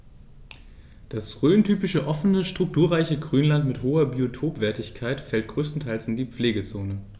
Das rhöntypische offene, strukturreiche Grünland mit hoher Biotopwertigkeit fällt größtenteils in die Pflegezone.